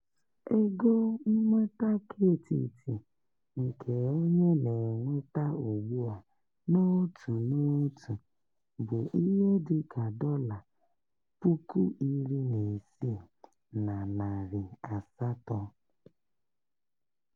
Ego nnweta ketiti nke onye na-enweta ugbu a n'otu n'otu bụ ihe dị ka dọla HK$16,800 (US$2,200)